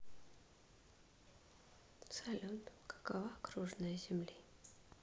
салют какова окружная земли